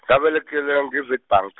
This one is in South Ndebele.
ngabelethelwa nge- Witbank.